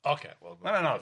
Ocê wel... Ma' anodd